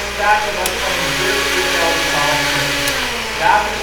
sprake was van een burcht in Geldermalsen. Later